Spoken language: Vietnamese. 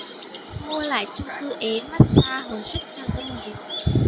mua lại chung cư ế massage hồi sức cho doanh nghiệp